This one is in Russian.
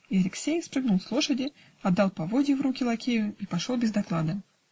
И Алексей спрыгнул с лошади, отдал поводья в руки лакею и пошел без доклада.